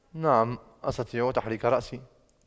نعم أستطيع تحريك رأسي